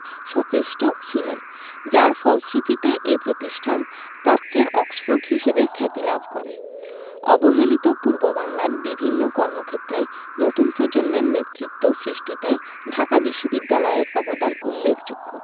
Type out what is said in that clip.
সচেষ্ট ছিলেন যার ফলশ্রুতিতে এ প্রতিষ্ঠান প্রাচ্যের অক্সফোর্ড হিসেবে খ্যাতি লাভ করে অবহেলিত পূর্ববাংলার বিভিন্ন কর্মক্ষেত্রে নতুন প্রজন্মের নেতৃত্ব সৃষ্টিতে ঢাকা বিশ্ববিদ্যালয়ের অবদান উল্লেখযোগ্য